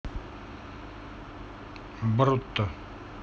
брутто